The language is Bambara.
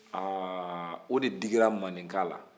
aaah o de digira mandenka la